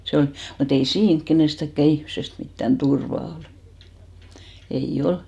se on mutta ei siinä kenestäkään ihmisestä mitään turvaa ole ei ole